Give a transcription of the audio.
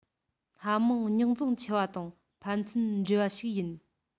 སྣ མང རྙོག འཛིང ཆེ བ དང ཕན ཚུན འདྲེས པ ཞིག ཡིན